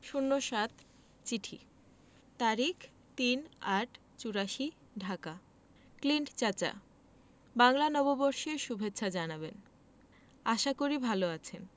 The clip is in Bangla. ০৭ চিঠি তারিখ ৩ ৮ ৮৪ ঢাকা ক্লিন্ট চাচা বাংলা নববর্ষের সুভেচ্ছা জানাবেন আশা করি ভালো আছেন